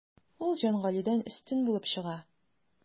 Ул Җангалидән өстен булып чыга.